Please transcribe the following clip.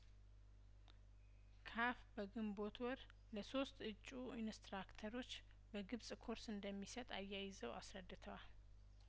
ካፍ በግንቦት ወር ለሶስት እጩ ኢንስትራክተሮች በግብጽ ኮርስ እንደሚሰጥ አያይዘው አስረድተዋል